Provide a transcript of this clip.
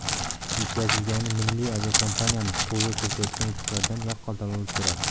yetkazilgani milliy aviakompaniyamiz qo'lga kiritayotgan yutuqlardan yaqqol dalolat beradi